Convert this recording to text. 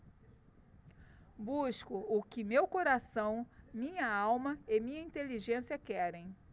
busco o que meu coração minha alma e minha inteligência querem